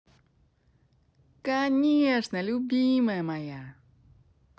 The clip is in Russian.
конечно любимая моя